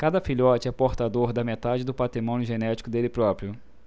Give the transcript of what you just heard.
cada filhote é portador da metade do patrimônio genético dele próprio